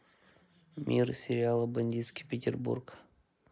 мир сериала бандитский петербург